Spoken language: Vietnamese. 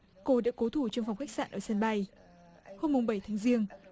cô đã cố thủ trong phòng khách sạn ở sân bay hôm mùng bảy tháng giêng